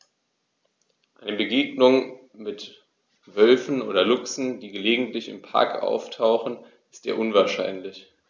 Eine Begegnung mit Wölfen oder Luchsen, die gelegentlich im Park auftauchen, ist eher unwahrscheinlich.